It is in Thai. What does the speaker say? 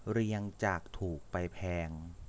เรียงจากถูกไปแพง